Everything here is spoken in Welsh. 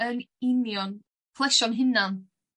Yn union. Plesio'n hunan